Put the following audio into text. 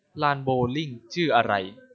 ลานโบว์ลิ่งชื่ออะไร